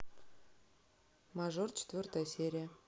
мажор четвертая серия